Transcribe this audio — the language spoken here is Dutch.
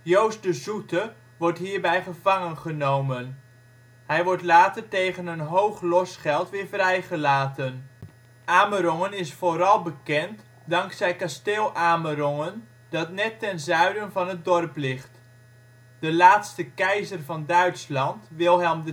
Joost de Soete wordt hierbij gevangengenomen; hij wordt later tegen een hoog losgeld weer vrijgelaten. Amerongen is vooral bekend dankzij Kasteel Amerongen dat net ten zuiden van het dorp ligt. De laatste Keizer van Duitsland Wilhelm